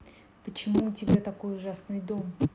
почему у тебя такой ужасный дом